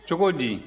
cogo di